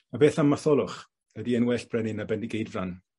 A beth am Matholwch? Ydi e'n well brenin na Bendigeidfran?